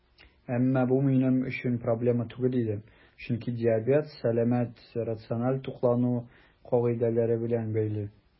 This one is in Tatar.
Әмма бу минем өчен проблема түгел иде, чөнки диабет сәламәт, рациональ туклану кагыйдәләре белән бәйле.